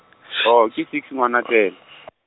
oh, ke six Ngwanatsele.